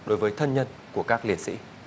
đối với thân nhân của các liệt sỹ